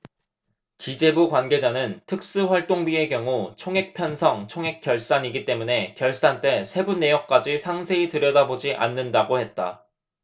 기재부 관계자는 특수활동비의 경우 총액 편성 총액 결산이기 때문에 결산 때 세부 내역까지 상세히 들여다보지 않는다고 했다